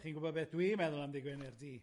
Chi'n gwbod beth dwi'n meddwl am dy' Gwener Du?